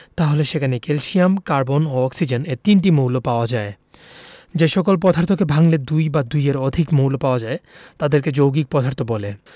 তাহলে সেখানে calcium carbon ও অক্সিজেন এ তিনটি মৌল পাওয়া যায় যে সকল পদার্থকে ভাঙলে দুই বা দুইয়ের অধিক মৌল পাওয়া যায় তাদেরকে যৌগিক পদার্থ বলে